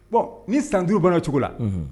Bon ni san duuruuru banna cogo la